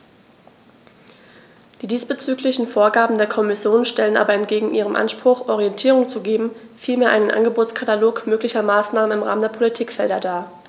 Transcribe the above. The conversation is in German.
Die diesbezüglichen Vorgaben der Kommission stellen aber entgegen ihrem Anspruch, Orientierung zu geben, vielmehr einen Angebotskatalog möglicher Maßnahmen im Rahmen der Politikfelder dar.